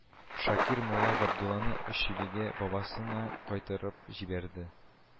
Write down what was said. Шакир мулла Габдулланы Өчилегә, бабасына кайтарып җибәрде